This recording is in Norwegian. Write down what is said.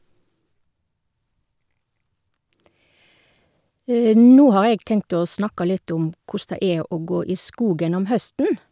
Nå har jeg tenkt å snakke litt om koss det er å gå i skogen om høsten.